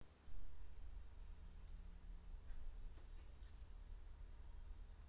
ну давай нибудь начнем давай